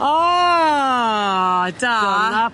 O! Da. Dyna